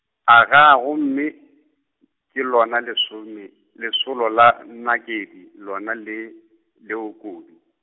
agaa, gomme, ke lona lesome, lesolo la Nakedi, lona le, leo Kobi.